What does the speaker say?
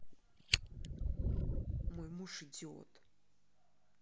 мой муж идиот